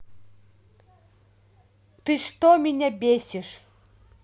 ты что меня бесишь